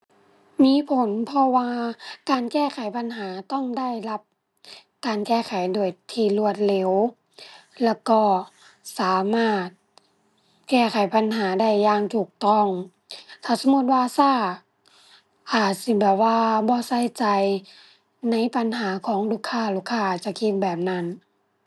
มีผลเพราะว่าการแก้ไขปัญหา ต้องได้รับการแก้ไขโดย ที่รวดเร็ว แล้วก็สามารถแก้ไขปัญหาได้อย่างถูกต้อง ถ้าสมมุติว่าช้า อาจสิแบบว่าบ่ใส่ใจในปัญหาของลูกค้า ลูกค้าอาจจะคิดแบบนั้น